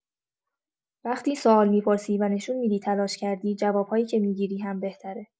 وقتی سوال می‌پرسی و نشون می‌دی تلاش کردی، جواب‌هایی که می‌گیری هم بهتره.